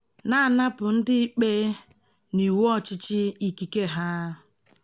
Na-anapụ ndị ikpe na iwu ọchịchị ikike ha